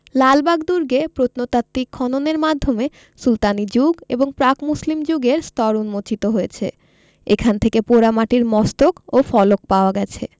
লালবাগ দুর্গে প্রত্নতাত্ত্বিক খননের মাধ্যমে সুলতানি যুগ এবং প্রাক মুসলিম যুগের স্তর উন্মোচিত হয়েছে এখান থেকে পোড়ামাটির মস্তক ও ফলক পাওয়া গেছে